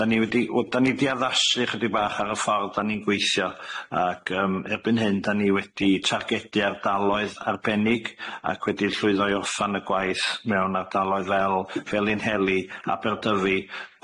da ni wedi w- dan ni di addasu chydig bach ar y ffordd dan ni'n gweithio ac yym erbyn hyn dan ni wedi targedi ardaloedd arbennig ac wedi llwyddo i orffan y gwaith mewn ardaloedd fel Felinheli, Aberdyfi,